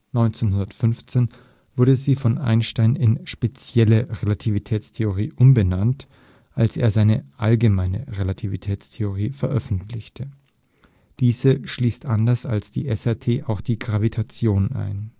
1915 wurde sie von Einstein in Spezielle Relativitätstheorie umbenannt, als er seine Allgemeine Relativitätstheorie (ART) veröffentlichte. Diese schließt anders als die SRT auch die Gravitation ein